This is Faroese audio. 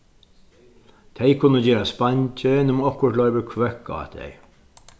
tey kunnu gerast bangin um okkurt loypir kløkk á tey